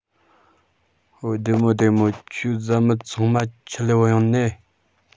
བདེ མོ བདེ མོ ཁྱོད བཟའ མི ཚང མ ཁྱིད ལས བུད ཡོང ནིས